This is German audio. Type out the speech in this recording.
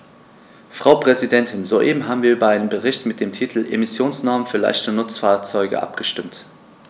Frau Präsidentin, soeben haben wir über einen Bericht mit dem Titel "Emissionsnormen für leichte Nutzfahrzeuge" abgestimmt.